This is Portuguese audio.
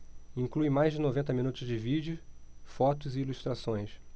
inclui mais de noventa minutos de vídeo fotos e ilustrações